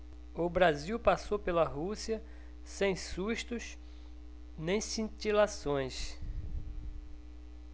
o brasil passou pela rússia sem sustos nem cintilações